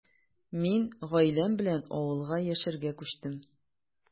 Мин гаиләм белән авылга яшәргә күчтем.